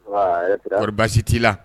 Nbaa hɛrɛ sira kori baasi t'i la